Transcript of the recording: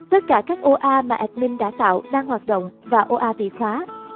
tất cả các oa mà admin đã tạo đang hoạt động và oa bị khóa